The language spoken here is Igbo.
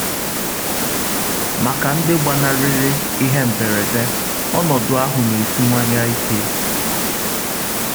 Maka ndị gbanarịrị ihe mberede, ọnọdụ ahụ na-esiwanye ike.